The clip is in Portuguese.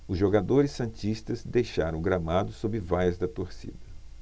os jogadores santistas deixaram o gramado sob vaias da torcida